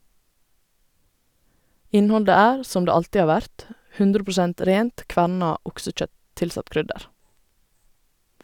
Innholdet er, som det alltid har vært , hundre prosent rent, kverna oksekjøtt tilsatt krydder.